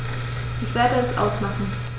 Ich werde es ausmachen